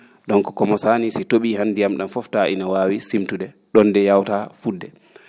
donc komo saani si to?ii han ndiyam ?am fof taa ina waawi simtude ?oon ndi yaawraa fu?de